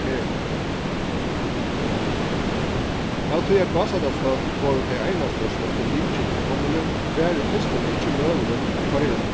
ferðina av tí at gásadalsfólk vóru tey einastu sum høvdu lykil til tunnilin var í fyrstuni ikki møguligt at koyra til